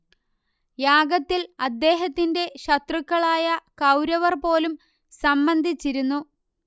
യാഗത്തിൽ അദ്ദേഹത്തിന്റെ ശത്രുക്കളായ കൌരവർ പോലും സംബന്ധിച്ചിരുന്നു